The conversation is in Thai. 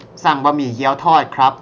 สั่งบะหมี่เกี๋ยวทอดครับ